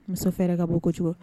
Muso fɛrɛ ka bon ko jugu